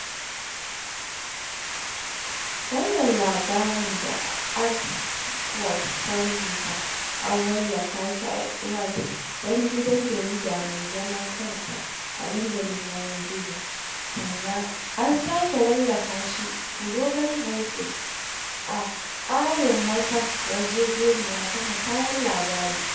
Wannan labarin da Aung Kyaw Htet ta rubuta an wallafa shi a Irrawaddy, wani gidan jarida mai zaman kansa a dandalin yanar gizo, sannan an sake wallafa shi Global Voices a tsarin wata yarjejeniya ta musayar labarai.